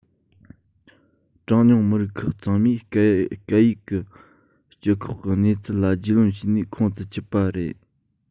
གྲངས ཉུང མི རིགས ཁག ཚང མའི སྐད ཡིག གི སྤྱི ཁོག གི གནས ཚུལ ལ རྒྱུས ལོན བྱས ནས ཁོང དུ ཆུད པ རེད